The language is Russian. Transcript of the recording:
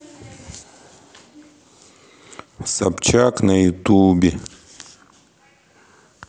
собчак на ютубе